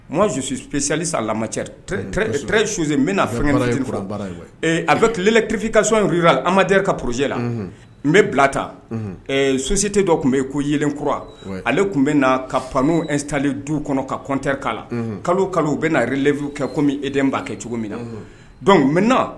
Masili saree n bɛna fɛn a bɛ tilelelɛ kirifi ka so inur ami amadud ka pze la n bɛ bilata sunsite dɔ tun bɛ yen ko yelen kura ale tun bɛ na ka panutali du kɔnɔ ka kɔnte' la kalo kalo u bɛna na lvw kɛ komi e den'a kɛ cogo min na donc n na